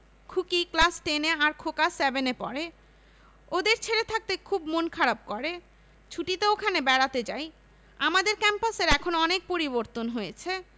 খুকি class ten এ আর খোকা সেভেন এ পড়ে ওদের ছেড়ে থাকতে খুব মন খারাপ করে ছুটিতে ওখানে বেড়াতে যাই আমাদের ক্যাম্পাসের এখন অনেক পরিবর্তন হয়েছে